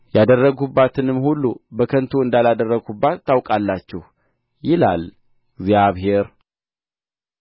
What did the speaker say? ያደረግሁባትንም ሁሉ በከንቱ እንዳላደረግሁባት ታውቃላችሁ ይላል ጌታ እግዚአብሔር